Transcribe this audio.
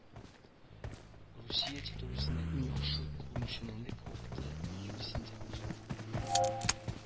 Русия территориясендә иң яхшы күренүчәнлек вакыты июль сентябрь